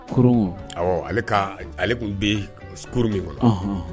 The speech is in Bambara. Ale ka ale tun bɛ kurun min bolo